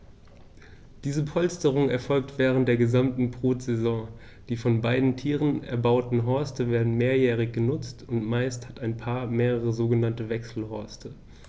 Diese Polsterung erfolgt während der gesamten Brutsaison. Die von beiden Tieren erbauten Horste werden mehrjährig benutzt, und meist hat ein Paar mehrere sogenannte Wechselhorste.